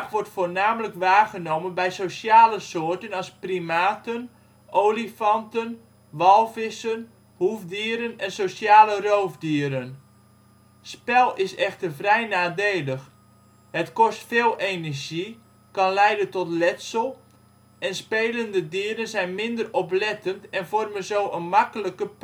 wordt voornamelijk waargenomen bij sociale soorten als primaten, olifanten, walvissen, hoefdieren en sociale roofdieren. Spel is echter vrij nadelig: het kost veel energie, kan leiden tot letsel en spelende dieren zijn minder oplettend en vormen zo een makkelijke